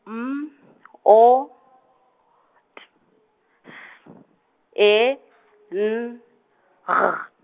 M O T S E N G.